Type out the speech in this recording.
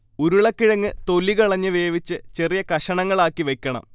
ഉരുളക്കിഴങ്ങ് തൊലി കളഞ്ഞ് വേവിച്ചു ചെറിയ കഷണങ്ങളാക്കി വയ്ക്കണം